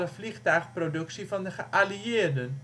vliegtuigproductie van de geallieerden